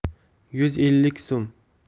yuz ellik so'm